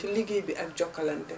ci liggéey bi ak jokalante